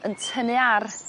yn tynnu ar